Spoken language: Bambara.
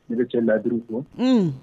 Ne bɛ cɛ da duuru kɔ